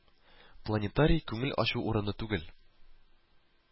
Планетарий күңел ачу урыны түгел